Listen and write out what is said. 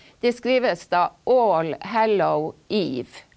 det skrives da .